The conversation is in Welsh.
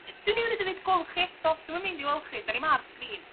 Dwi newydd fynd i ddeud gwel' chi eto dwi'm yn mynd i wel' chi 'dyn ni'm ar sgrîn!